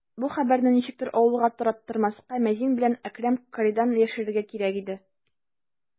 Бу хәбәрне ничектер авылга тараттырмаска, мәзин белән Әкрәм каридан яшерергә кирәк иде.